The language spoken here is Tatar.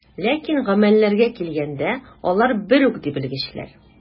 Ләкин гамәлләргә килгәндә, алар бер үк, ди белгечләр.